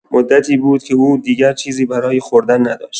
مدتی بود که او دیگر چیزی برای خوردن نداشت.